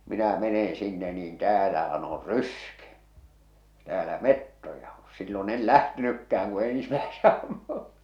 minä menen sinne niin täällähän on ryske täällä metsoja on silloin en lähtenytkään kun ensimmäisen ammun